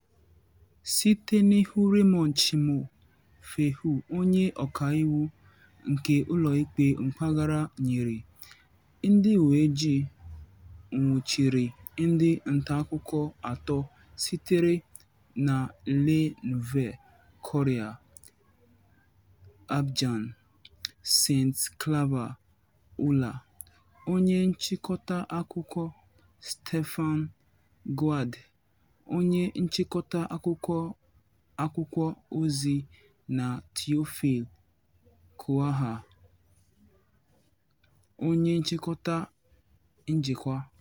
Site n'iwu Raymond Tchimou Fehou, onye Ọkaiwu nke ụlọikpe mpaghara nyere, ndị Uweojii nwụchiri ndị ntaakụkọ atọ sitere na Le Nouveau Courrier d'Abidjan, Saint Claver Oula, onye nchịkọta akụkọ, Steéphane Guédé, onye nchịkọta akụkọ akwụkwọozi na Théophile Kouamouo, onye nchịkọta njikwa.